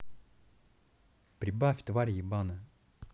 прибавь тварь ебаная